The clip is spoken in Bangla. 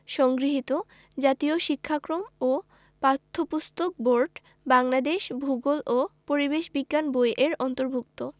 সংগৃহীত জাতীয় শিক্ষাক্রম ও পাঠ্যপুস্তক বোর্ড বাংলাদেশ ভূগোল ও পরিবেশ বিজ্ঞান বই এর অন্তর্ভুক্ত